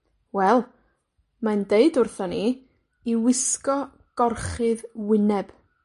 Wel, mae'n deud wrthon ni i wisgo gorchudd wyneb.